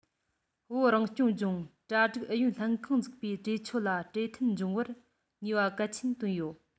བོད རང སྐྱོང ལྗོངས གྲ སྒྲིག ཨུ ཡོན ལྷན ཁང འཛུགས པའི གྲོས ཆོད ལ གྲོས མཐུན འབྱུང བར ནུས པ གལ ཆེན བཏོན ཡོད